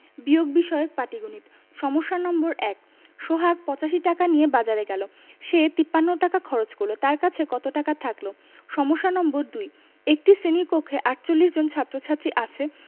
বিয়োগ বিষয়ক পাটিগণিত সমস্যা নম্বর ১ সোহাগ ৮৫ টাকা নিয়ে বাজারে গেল সে ৫৩ টাকা খরচ করল তার কাছে কত টাকা থাকল সমস্যা নম্বর ২ একটি শ্রেণি কক্ষে ৪৮ জন ছাত্ৰ-ছাত্ৰী আছে